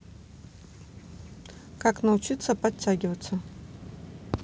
как научиться подтягиваться